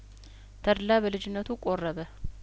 ተድላ በልጅነቱ ቆረበ